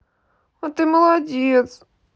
а ты молодец